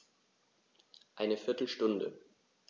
Eine viertel Stunde